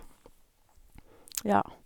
Ja.